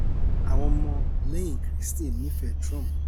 Àwọn Ọmọ lẹ́yìn-in Krístì nífẹ̀ẹ́ẹ Trump